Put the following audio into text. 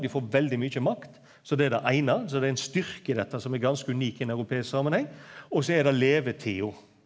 dei får veldig mykje makt så det er det eina så det er ein styrke i dette som er ganske unik i ein europeisk samanheng og så er det levetida.